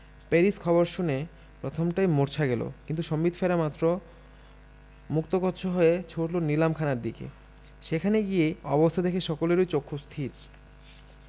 Paris খবর শুনে প্রথমটায় মুর্ছা গেল কিন্তু সম্বিত ফেরা মাত্রই মুক্তকচ্ছ হয়ে ছুটল নিলাম খানার দিকে সেখানে গিয়ে অবস্থা দেখে সকলেরই চক্ষুস্থির